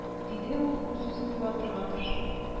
Диде ул үз-үзен юатырга тырышып